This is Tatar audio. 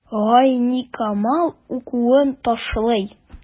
Гайникамал укуын ташлый.